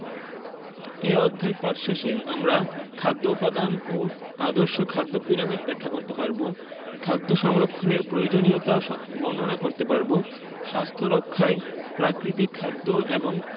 এ অধ্যায় পাঠ শেষে আমরা খাদ্য উপাদান ও আদর্শ খাদ্য পিরামিড ব্যাখ্যা করতে পারব খাদ্য সংরক্ষণের প্রয়োজনীয়তা বর্ণনা করতে পারব স্বাস্থ্য রক্ষায় প্রাকৃতিক খাদ্য এবং